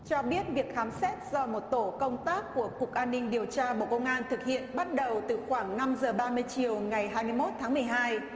cho biết việc khám xét do một tổ công tác của cục an ninh điều tra bộ công an thực hiện bắt đầu từ khoảng năm giờ ba mươi chiều ngày hai mươi mốt tháng mười hai